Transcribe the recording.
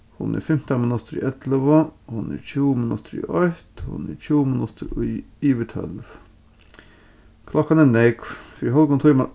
hon er fimtan minuttir í ellivu hon er tjúgu minuttir í eitt hon er tjúgu minuttir í yvir tólv klokkan er nógv fyri hálvgum tíma